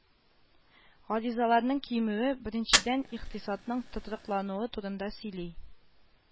Гаризаларның кимүе, беренчедән, икътисадның тотрыклануы турында сөйли